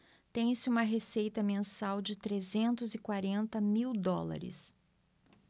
tem-se uma receita mensal de trezentos e quarenta mil dólares